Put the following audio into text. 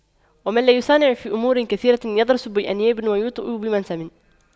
ومن لا يصانع في أمور كثيرة يضرس بأنياب ويوطأ بمنسم